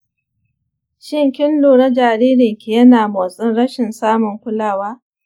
shin kin lura jaririnki yana motsin rashin samun kulawa?